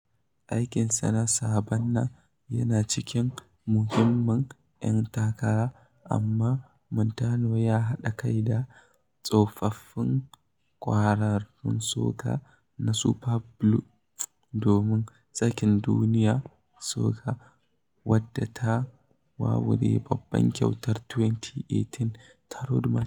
Aikinsa na "Saɓannah" yana cikin muhimman 'yan takara, amma Montano ya haɗa kai da tsofaffin ƙwararrun soca na Superblue domin sakin "Duniya Soca", wadda ta wawure babban kyautar 2018 ta Road March.